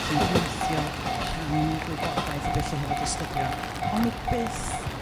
cydweithio rhannu gwybodaeth a bellu hefo disgyblion o'n nhw byth